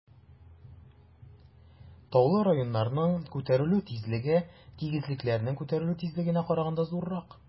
Таулы районнарның күтәрелү тизлеге тигезлекләрнең күтәрелү тизлегенә караганда зуррак.